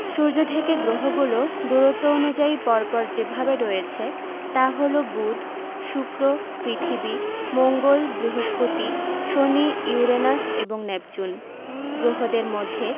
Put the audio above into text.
সূর্য থেকে গ্রহগুলো দূরত্ব অনুযায়ী পর পর যেভাবে রয়েছে তা হলো বুধ শুক্র পৃথিবী মঙ্গল বৃহস্পতি শনি ইউরেনাস এবং নেপচুন গ্রহদের মধ্যে